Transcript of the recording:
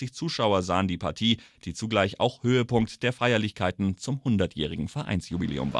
Zuschauer sahen die Partie, die zugleich Höhepunkt der Feierlichkeiten zum 100jährigen Vereinsjubiläum